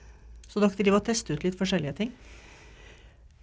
så dere driver og tester ut litt forskjellige ting?